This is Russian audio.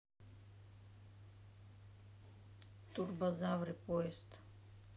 турбозавры поезд